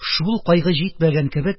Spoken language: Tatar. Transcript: Шул кайгы җитмәгән кебек,